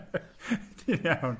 Ti'n iawn?